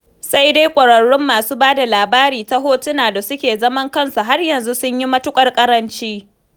Sai dai ƙwararrun masu ba da labari ta hotuna da suke zaman kansu har yanzu sun yi matuƙar ƙaranci.